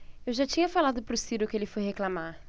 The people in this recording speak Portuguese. eu já tinha falado pro ciro que ele foi reclamar